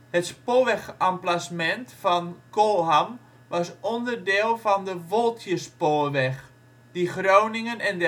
Het spoorwegemplacement van Kolham was onderdeel van de Woldjerspoorweg die Groningen en